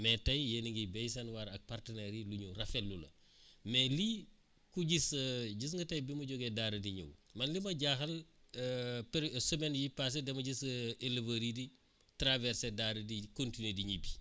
mais tey yéen a ngi béy seen waar ak partenaires yi lu ñu rafetlu la mais lii ku gis gis nga tey bi ma jógee Daara di ñëw man li ma jaaxal pér semaie yi paase dama gis éleveurs yi di traversé Daara di continué di ñibbi